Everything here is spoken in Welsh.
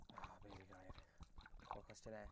O be 'di'r gair? Chimod, cwestiynnau.